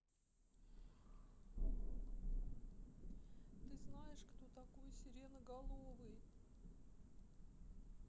ты знаешь кто такой сиреноголовый